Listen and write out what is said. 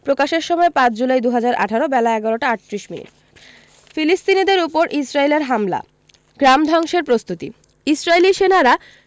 প্রকাশের সময় ৫ জুলাই ২০১৮ বেলা ১১টা ৩৮ মিনিট ফিলিস্তিনিদের ওপর ইসরাইলের হামলা গ্রাম ধ্বংসের প্রস্তুতি ইসরাইলী সেনারা